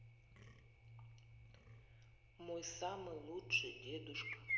мой самый лучший дедушка